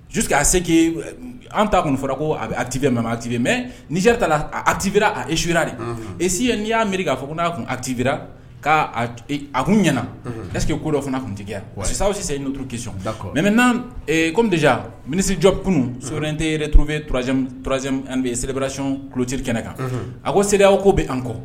Su a se k' an t ta kun fɔra ko a bɛ a tibi mɛ tibi mɛ n'i' atibiira a esu de esi n'i y'a miiri k'a fɔ n'a kun a tibira k' a kun ɲɛna ɛ que ko dɔ fana tuntigiya sisan aw se n'uru kisɔn da mɛ kod minijɔ kun soin tɛre turue selibracɔn kuloteri kɛnɛ kan a ko se ko bɛ an kɔ